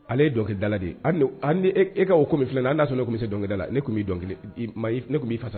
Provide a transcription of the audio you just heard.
Ale ye dɔnke dala de e ka kɔmi min filɛ n'a ne ko tun bɛ se dɔnda la ne tun b' b' fa